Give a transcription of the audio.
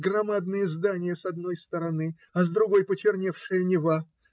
Громадные здания с одной стороны, а с другой - почерневшая Нева.